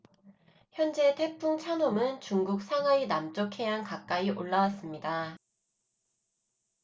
현재 태풍 찬홈은 중국 상하이 남쪽 해안 가까이 올라왔습니다